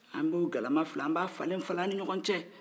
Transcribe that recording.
an b'o galama fila an b'a falen-falen an ni ɲɔgɔ cɛ